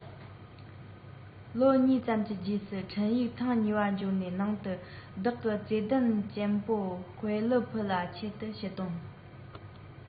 ལོ གཉིས ཙམ གྱི རྗེས སུ འཕྲིན ཡིག ཐེངས གཉིས པ འབྱོར བའི ནང དུ བདག གི བརྩེ ལྡན གཅེན པོ ཧྥེ ལི ཕུ ལ ཆེད དུ ཞུ དོན